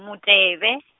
mutevhe.